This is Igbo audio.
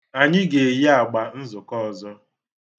Anyị ga-eyi agba nzụkọ ọzọ.